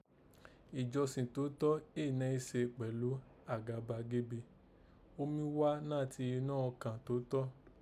Ìjọsìn tòótọ́ èé nẹ́ í se kpẹ̀lú àgàbàgebè. Ó mí ghá nàti inọ́ ọkàn tòótọ́